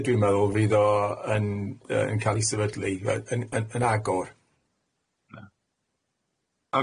Dwi'n meddwl fydd o yn yy yn cal 'i sefydlu yy yn yn agor.